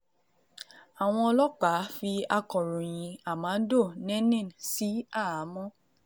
Àwọn ọlọ́pàá fi akọ̀ròyìn Armando Nenane sí àhámọ́.